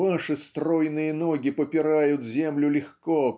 ваши стройные ноги попирают землю легко